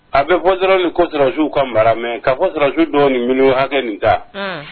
A bɛ kɔdir ni kɔsɔrɔsiwu ka mara mɛn ka kɔsɔrɔjsiwu dɔ nin minnu hakɛ nin ta